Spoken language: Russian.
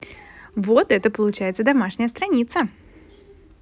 вот это получается домашняя страница